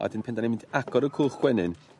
A 'dyn pan 'dan ni'n mynd i agor y cwch gwenyn